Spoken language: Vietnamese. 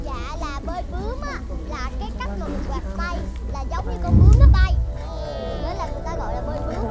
dạ là bơi bướm á là cái cách mà mình quạt tay là giống như con bướm nó bay mới là người ta gọi là bơi bướm